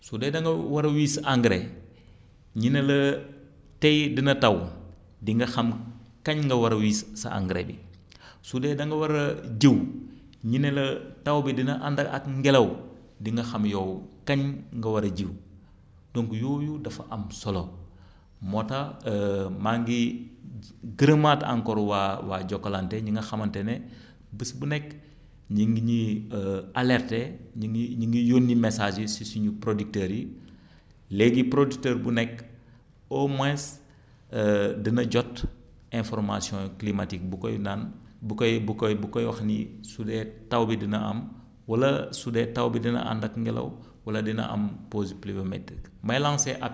su dee da nga war a wis engrais ñu ne la tay dina taw di nga xam kañ nga war a wis sa engrais bi su dee da nga war a jiw ñu ne la taw bi dina ànd ak ngelaw di nga xam yow kañ nga war a jiw donc yooyu dafa am solo moo tax maa ngi gërëmaat encore waa waa waa Jakalante ñi nga xamante ne bés bu nekk ñu ngi ñuy alerté ñi ngi ñu ngi yónni message yi si suñu producteurs yi léegi producteur bu nekk au moins dina jot information climatique bu koy naan bu koy bu koy bu koy wax ni su dee taw bi dina am wala su dee taw bi dina ànd ak ngelaw wala dina am pause pluviométrique